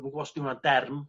dwi'm yn gwbo os dyw wnna derm